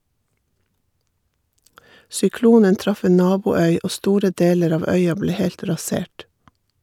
Syklonen traff en naboøy, og store deler av øya ble helt rasert.